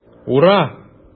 Ура!